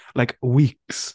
Like, weeks.